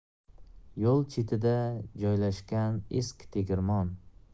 yo'l chetida joyiashgan eski tegirmon